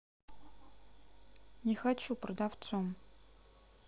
не хочу продавцом